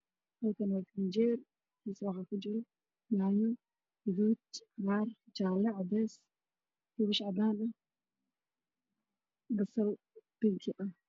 Halkaan waa faranjiyeer gudihiisa waxaa kujiro yaanyo, gaduud, cagaar, cadeys, doolsha cadaan ah iyo basal bingi ah.